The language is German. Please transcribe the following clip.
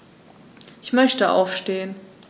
Ich möchte aufstehen.